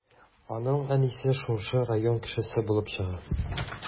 Аның әнисе шушы район кешесе булып чыга.